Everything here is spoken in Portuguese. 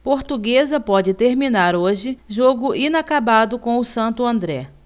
portuguesa pode terminar hoje jogo inacabado com o santo andré